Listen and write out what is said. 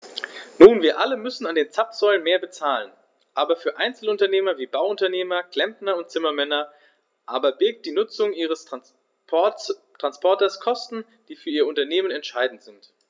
Nun wir alle müssen an den Zapfsäulen mehr bezahlen, aber für Einzelunternehmer wie Bauunternehmer, Klempner und Zimmermänner aber birgt die Nutzung ihres Transporters Kosten, die für ihr Unternehmen entscheidend sind.